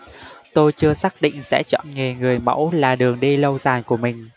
tôi chưa xác định sẽ chọn nghề người mẫu là đường đi lâu dài của mình